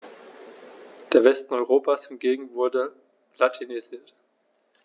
Der Westen Europas hingegen wurde latinisiert.